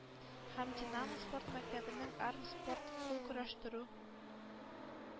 Һәм «динамо» спорт мәктәбенең армспорт (кул көрәштерү)